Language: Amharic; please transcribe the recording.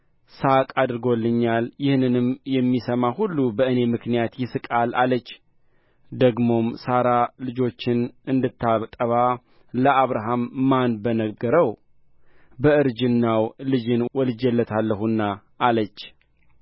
ሳቅ አድርጎልኛል ይህንንም የሚሰማ ሁሉ በእኔ ምክንያት ይስቃል አለች ደግሞም ሣራ ልጆችን እንድታጠባ ለአብርሃም ማን በነገረው በእርጅናው ልጅን ወልጄለታለሁና አለች